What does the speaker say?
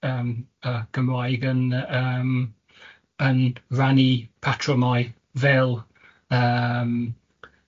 yym y Gymraeg yn yym yn rannu patrymau fel yym